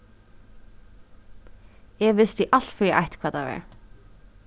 eg visti alt fyri eitt hvat tað var